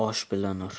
urma osh bilan ur